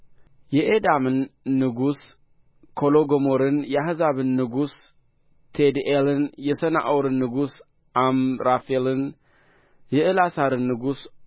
የኤላምን ንጉሥ ኮሎዶጎምርን የአሕዛብን ንጉሥ ቲድዓልን የሰናዖርን ንጉሥ አምራፌልን የእላሳርን ንጉሥ